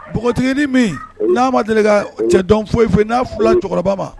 Npogotigiini min n'a ma deli ka cɛ dɔn foyi n'a fila cɛkɔrɔba ma